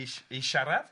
i i siarad.